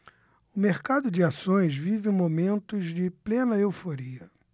o mercado de ações vive momentos de plena euforia